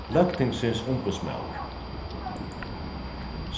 løgtingsins umboðsmaður